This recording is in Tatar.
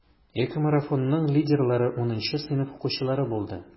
ЭКОмарафонның лидерлары 10 сыйныф укучылары булды.